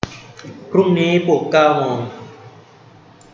พรุ่งนี้ปลุกเก้าโมง